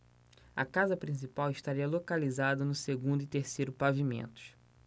a casa principal estaria localizada no segundo e terceiro pavimentos